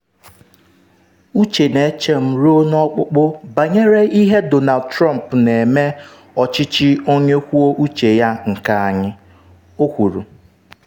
“Uche na-eche m ruo n’ọkpụkpụ banyere ihe Donald Trump na-eme ọchịchị onye kwuo uche ya nke anyị,” o kwuru.